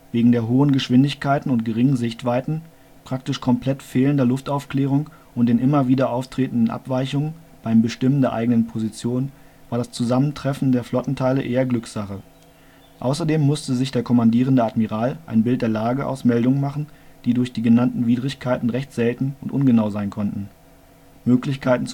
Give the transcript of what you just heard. Wegen der hohen Geschwindigkeiten und geringen Sichtweiten, praktisch komplett fehlender Luftaufklärung und den immer wieder auftretenden Abweichungen beim Bestimmen der eigenen Position war das Zusammentreffen der Flottenteile eher Glücksache. Außerdem musste sich der kommandierende Admiral ein Bild der Lage aus Meldungen machen, die durch die genannten Widrigkeiten recht selten und ungenau sein konnten. Möglichkeiten